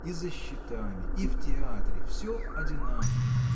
и за счетами, и в театре, все одинаков